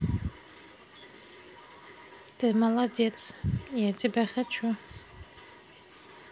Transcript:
ты молодец я тебя хочу